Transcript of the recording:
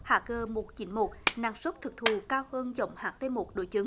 hát gờ một chín một năng suất thực thu cao hơn giống hát te một đối chứng